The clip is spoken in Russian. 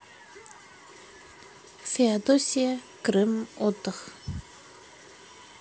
феодосия крым отдых